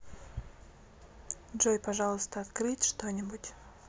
джой пожалуйста открыть что нибудь